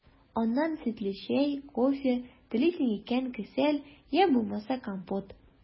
Аннан сөтле чәй, кофе, телисең икән – кесәл, йә булмаса компот.